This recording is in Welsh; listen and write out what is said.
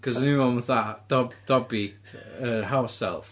Cos o'n ni'n meddwl am fatha dob- Dobby yr house elf.